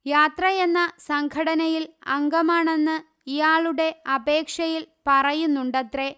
യാത്രയെന്ന സംഘടനയിൽ അംഗമാണെന്ന് ഇയാളുടെ അപേക്ഷയിൽ പറയുന്നുണ്ടത്രേ